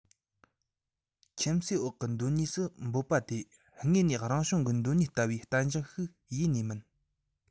ཁྱིམ གསོས འོག གི གདོད ནུས སུ འབོད པ དེ དངོས གནས རང བྱུང གི གདོད ནུས ལྟ བུའི བརྟན འཇགས ཤིག ཡེ ནས མིན